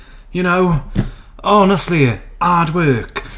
You know? Honestly. Hard work.